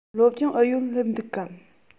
སློབ སྦྱོང ཨུ ཡོན སླེབས འདུག གམ